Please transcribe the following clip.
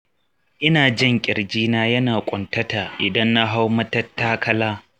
ina jin ƙirji na yana ƙuntata idan na hau matattakala